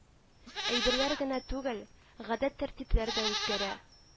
Әйберләр генә түгел, гадәт-тәртипләр дә үзгәрә